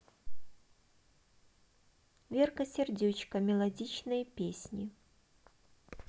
верка сердючка мелодичные песни